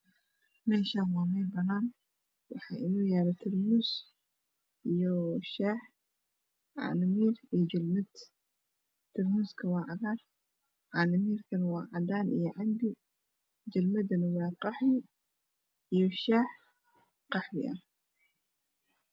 Mashan wamel banan waxayalo tarmus iyo shah canmir jalbad